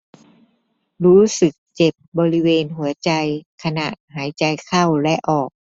รู้สึกเจ็บบริเวณหัวใจขณะหายใจเข้าและออก